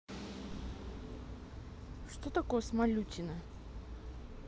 что такое смалютина